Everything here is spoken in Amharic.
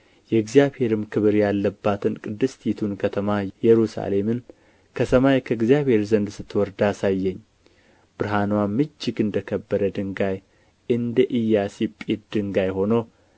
የእግዚአብሔርም ክብር ያለባትን ቅድስቲቱን ከተማ ኢየሩሳሌምን ከሰማይ ከእግዚአብሔር ዘንድ ስትወርድ አሳየኝ ብርሃንዋም እጅግ እንደ ከበረ ድንጋይ እንደ ኢያሰጲድ ድንጋይ ሆኖ